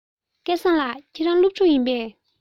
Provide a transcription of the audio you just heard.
སྐལ བཟང ལགས ཁྱེད རང སློབ ཕྲུག ཡིན པས